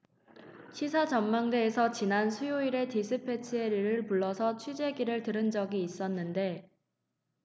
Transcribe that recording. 시사전망대에서 지난 수요일에 디스패치의 를 불러서 취재기를 들은 적이 있었는데